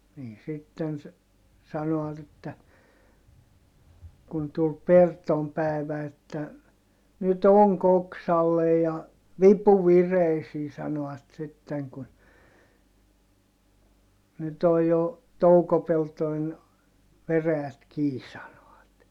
niin sitten se sanovat että kun tuli Perton päivä että nyt onki oksalle ja vipu vireisiin sanoivat sitten kun nyt on jo toukopeltojen veräjät kiinni sanoivat